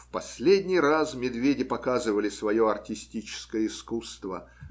В последний раз медведи показывали свое артистическое искусство